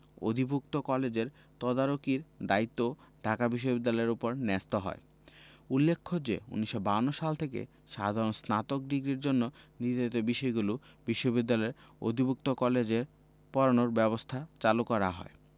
অধিভুক্ত কলেজের তদারকির দায়িত্বও ঢাকা বিশ্ববিদ্যালয়ের ওপর ন্যস্ত হয় উল্লেখ্য যে ১৯৫২ সাল থেকে সাধারণ স্নাতক ডিগ্রির জন্য নির্ধারিত বিষয়গুলো বিশ্ববিদ্যালয়ের অধিভুক্ত কলেজে পড়ানোর ব্যবস্থা চালু করা হয়